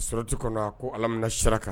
Solati kɔnɔna a ko alam nachra ka